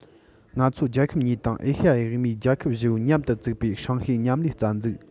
ང ཚོ རྒྱལ ཁབ གཉིས དང ཨེ ཤ ཡ དབུས མའི རྒྱལ ཁབ བཞི པོས མཉམ དུ བཙུགས པའི ཧྲང ཧའེ མཉམ ལས རྩ འཛུགས